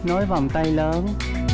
nối vòng tay lớn